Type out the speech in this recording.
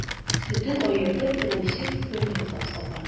Сөтен аертып, эремчек, сыр ясап сата.